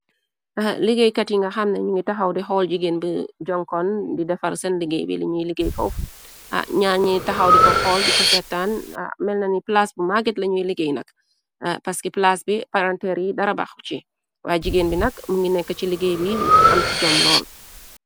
Liggéeykat yi nga xam na ñu ngi taxaw di xool jigéen bi jonkon di defar sen liggéey bi liñuy liggéey foof ñañi taxaw di ko xool di ko settaan melna ni plaas bu maget lañuy liggéey nak paski plaas bi parantër yi darabax ci waye jigéen bi nak mu ngi nekk ci liggéey bi am ci jom lool.